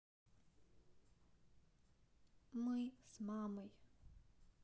мы с мамой